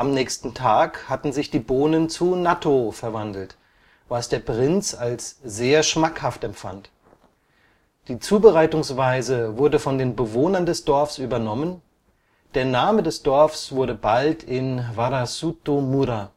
nächsten Tag hatten sich die Bohnen zu Nattō verwandelt, was der Prinz als sehr schmackhaft empfand. Die Zubereitungsweise wurde von den Bewohnern des Dorfs übernommen, der Name des Dorfs wurde bald in Warazuto Mura